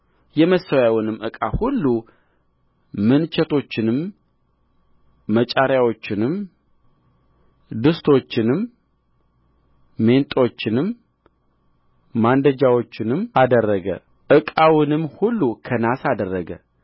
የመሠዊያውንም ዕቃ ሁሉ ምንቸቶቹንም መጫሪያዎቹንም ድስቶቹንም ሜንጦቹንም ማንደጃዎቹንም አደረገ ዕቃውንም ሁሉ ከናስ አደረገ